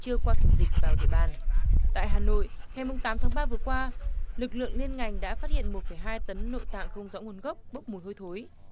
chưa qua kiểm dịch vào địa bàn tại hà nội ngày mùng tám tháng ba vừa qua lực lượng liên ngành đã phát hiện một phẩy hai tấn nội tạng không rõ nguồn gốc bốc mùi hôi thối